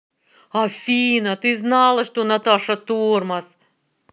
афина ты знала что наташа тормоз